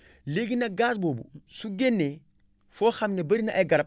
léegi nag gaz boobu su génnee foo xam ne bëri na ay garab